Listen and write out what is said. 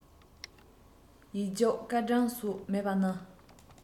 ཡིག རྒྱུགས སྐར གྲངས སོགས མེད པ ནི